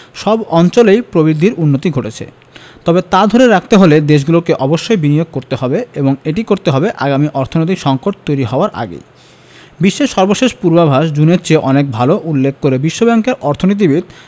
সব অঞ্চলেই প্রবৃদ্ধির উন্নতি ঘটছে তবে তা ধরে রাখতে হলে দেশগুলোকে অবশ্যই বিনিয়োগ করতে হবে এবং এটি করতে হবে আগামী অর্থনৈতিক সংকট তৈরি হওয়ার আগেই বিশ্বের সর্বশেষ পূর্বাভাস জুনের চেয়ে অনেক ভালো উল্লেখ করে বিশ্বব্যাংকের অর্থনীতিবিদ